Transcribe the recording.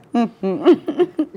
Un